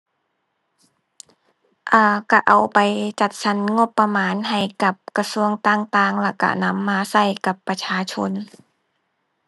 อ่า ก็เอาไปจัดสรรงบประมาณให้กับกระทรวงต่างต่าง แล้วก็นำมาก็กับประชาชน